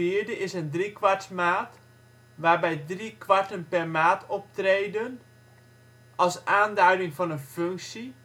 in een driekwartsmaat, waarbij 3 kwarten per maat optreden Als aanduiding van een functie